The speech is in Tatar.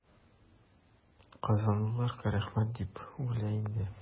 Казанлылар Карәхмәт дип үлә инде.